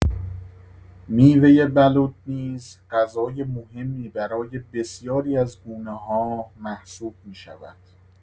میوه بلوط نیز غذای مهمی برای بسیاری از گونه‌ها محسوب می‌شود.